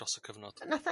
dros y cyfnod.